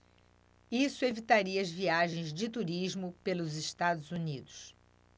isso evitaria as viagens de turismo pelos estados unidos